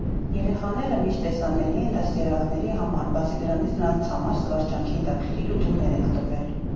Երեխաները միշտ տեսանելի են դաստիարակների համար, բացի դրանից, նրանց համար զվարճանքի հետաքրքիր լուծումներ ենք տվել։